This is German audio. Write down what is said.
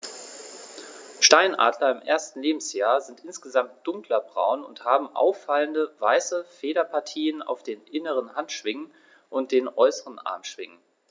Steinadler im ersten Lebensjahr sind insgesamt dunkler braun und haben auffallende, weiße Federpartien auf den inneren Handschwingen und den äußeren Armschwingen.